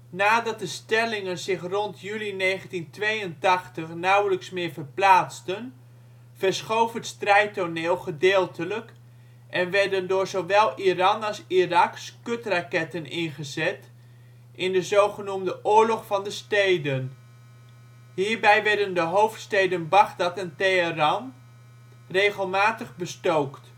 Nadat de stellingen zich rond juli 1982 nauwelijks meer verplaatsten, verschoof het strijdtoneel gedeeltelijk en werden door zowel Iran als Irak scud-raketten ingezet in de zogenoemde ' Oorlog van de steden '. Hierbij werden de hoofdsteden Bagdad en Teheran regelmatig bestookt